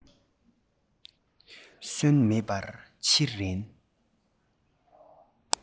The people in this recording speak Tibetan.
སོན མེད པར འཆི རན